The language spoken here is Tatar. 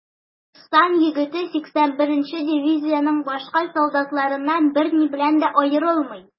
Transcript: Бу Үзбәкстан егете 81 нче дивизиянең башка солдатларыннан берни белән дә аерылмый.